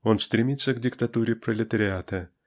он стремится к "диктатуре пролетариата"